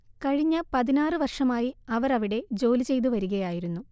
കഴിഞ്ഞ പതിനാറ് വർഷമായി അവർഅവിടെ ജോലി ചെയ്ത് വരുകയായിരുന്നു